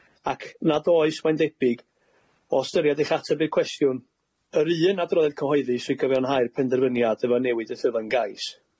ac nad oes mae'n debyg, o ystyriad eich ateb i'r cwestiwn, yr un adroddiad cyhoeddus sy'n cyfiawnhau'r penderfyniad efo newid y ffurflan gais.